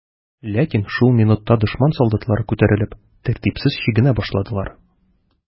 Ләкин шул минутта дошман солдатлары күтәрелеп, тәртипсез чигенә башладылар.